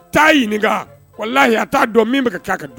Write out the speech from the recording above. ' ɲini wala layi a t'a dɔn min bɛ'a ka